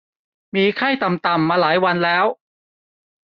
มีไข้ต่ำต่ำมาหลายวันแล้ว